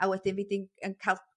a wedyn by' di'n yn ca'l